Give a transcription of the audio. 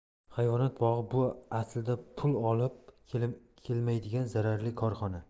hayvonot bog'i bu aslida pul olib kelmaydigan zararli korxona